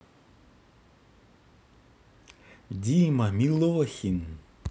дима милохин